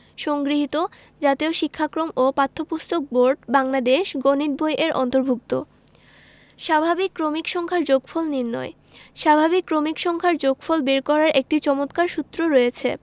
সংগৃহীত জাতীয় শিক্ষাক্রম ও পাঠ্যপুস্তক বোর্ড বাংলাদেশ গণিত বই এর অন্তর্ভুক্ত স্বাভাবিক ক্রমিক সংখ্যার যোগফল নির্ণয় স্বাভাবিক ক্রমিক সংখ্যার যোগফল বের করার একটি চমৎকার সূত্র রয়েছে